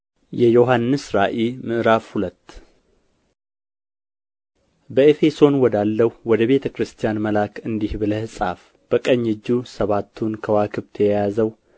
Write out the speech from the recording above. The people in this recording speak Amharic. የዮሐንስ ራእይ ምዕራፍ ሁለት በኤፌሶን ወዳለው ወደ ቤተ ክርስቲያን መልአክ እንዲህ ብለህ ጻፍ በቀኝ እጁ ሰባቱን ከዋክብት የያዘው